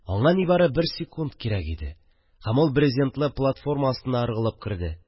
Аңа нибары бер секунд кирәк иде, һәм ул брезентлы платформа астына ыргылып керде